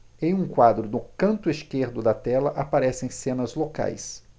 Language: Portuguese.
em um quadro no canto esquerdo da tela aparecem cenas locais